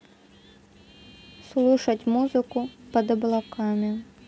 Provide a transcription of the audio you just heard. слушать музыку под облаками